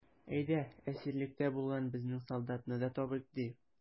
Әйдә, әсирлектә булган безнең солдатны да табыйк, ди.